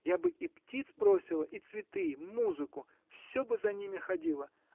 Я бы и птиц бросила, и цветы, музыку, всё бы за ними ходила.